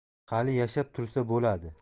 hali yashab tursa bo'ladi